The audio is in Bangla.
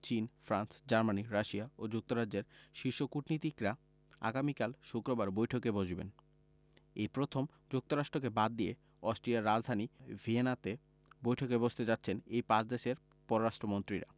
চীন ফ্রান্স জার্মানি রাশিয়া ও যুক্তরাজ্যের শীর্ষ কূটনীতিকরা আগামীকাল শুক্রবার বৈঠকে বসবেন এই প্রথম যুক্তরাষ্ট্রকে বাদ দিয়ে অস্ট্রিয়ার রাজধানী ভিয়েনাতে বৈঠকে বসতে যাচ্ছেন এই পাঁচ দেশের পররাষ্ট্রমন্ত্রীরা